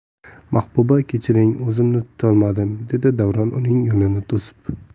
mahbuba kechiring o'zimni tutolmadim dedi davron uning yo'lini to'sib